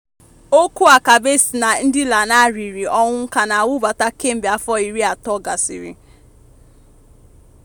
Okwu akaebe si na ndị lanarịrị ọnwụ ka na-awụbata kemgbe afọ 30 gasịrị.